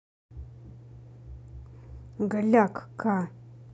голяк ка